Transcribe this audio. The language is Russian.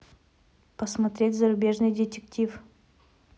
посмотреть зарубежный детектив